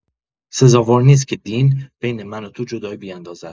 سزاوار نیست که دین، بین من و تو جدایی بیندازد.